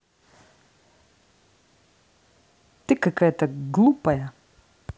ты какая то глупая